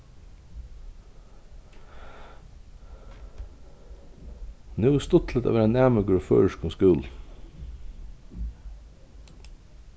nú er stuttligt at vera næmingur í føroyskum skúlum